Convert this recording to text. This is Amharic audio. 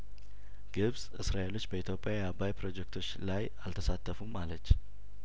ግብጽ እስራኤሎች በኢትዮጵያ የአባይ ፕሮጀክቶች ላይ አልተሳተፉም አለች